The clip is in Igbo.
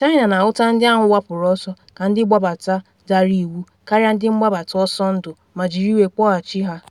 China na ahụta ndị ahụ gbapụrụ ọsọ ka ndị mgbabata dara iwu karịa ndị mgbabata ọsọ ndụ ma jiri iwe kpọghachi ha.